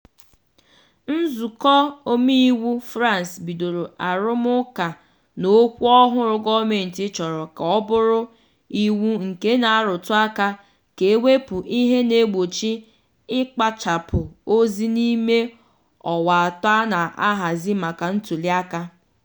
Nzukọ omeiwu France bidoro arụmụka na okwu ọhụrụ gọọmenti chọrọ ka ọ bụrụ iwe nke na-arụtụ aka ka e wepụ ihe na-egbochi ịkpachapụ ozi n'ime ọnwa atọ a na-ahazi maka ntuliaka.